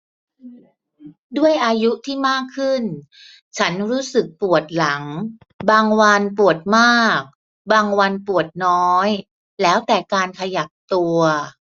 ด้วยอายุที่มากขึ้นฉันรู้สึกปวดหลังบางวันปวดมากบางวันปวดน้อยแล้วแต่การขยับตัว